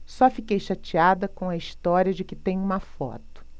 só fiquei chateada com a história de que tem uma foto